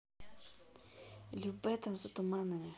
любэ там за туманами